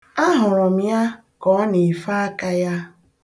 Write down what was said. A hụrụ m ya ka ọ na-efe aka ya.